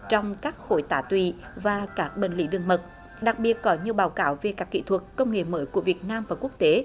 trong các khối tá tụy và các bệnh lý đường mật đặc biệt có nhiều báo cáo về các kỹ thuật công nghệ mới của việt nam và quốc tế